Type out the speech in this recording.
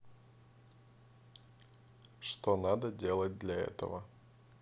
что надо делать для этого